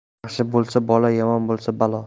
yaxshi bo'lsa bola yomon bo'lsa balo